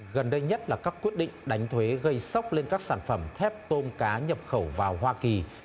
gần đây nhất là các quyết định đánh thuế gây sốc lên các sản phẩm thép tôm cá nhập khẩu vào hoa kỳ